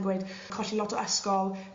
...yn gweud colli lot o ysgol